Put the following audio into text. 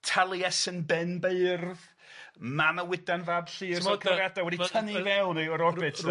Taliesin Benbeirdd Manawydan fab Llyr o cymeriada wedi 'i tynnu fewn i'r yr orbit de.